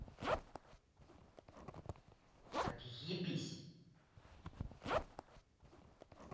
отъебись